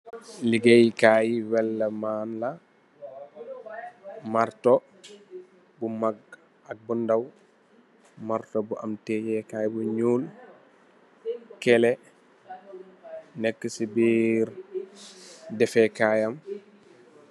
Ligeey Kai welde man la, martó bu mak ak bu ndaw, martó bu am tegeh bu ñuul, keleh nekka ci birr defe Kay yam.